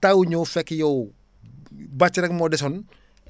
taw ñëw fekk yow bàcc rek moo desoon